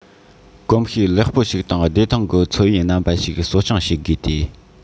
གོམས གཤིས ལེགས པོ ཞིག དང བདེ ཐང གི འཚོ བའི རྣམ པ ཞིག གསོ སྐྱོང བྱེད དགོས ཏེ